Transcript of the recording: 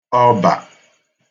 ọbà